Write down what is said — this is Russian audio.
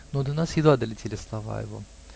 Но до нас едва долетели слова его.